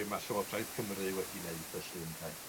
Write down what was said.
be' ma' llywodraeth Cymru wedi neud felly ynde.